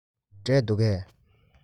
འབྲས འདུག གས